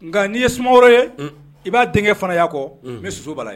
Nka n'i ye sumaworo ye i b'a denkɛ fana y'a kɔ misi su bala ye